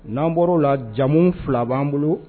N'an bɔr'o a jamu 2 b'an bolo